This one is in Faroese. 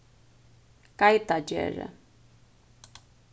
geitagerði